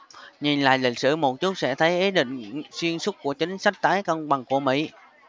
nhìn lại lịch sử một chút sẽ thấy ý định xuyên suốt của chính sách tái cân bằng của mỹ